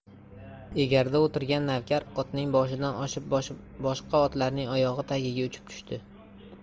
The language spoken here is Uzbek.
egarda o'tirgan navkar otning boshidan oshib boshqa otlarning oyog'i tagiga uchib tushdi